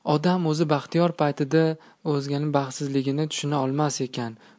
odam baxtiyor paytida o'zgalarning baxtsizligini tushuna olmas ekan